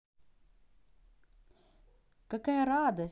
какая радость